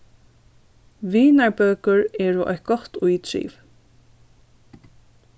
vinarbøkur eru eitt gott ítriv